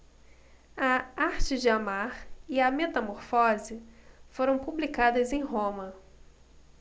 a arte de amar e a metamorfose foram publicadas em roma